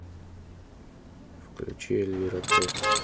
включи эльвира т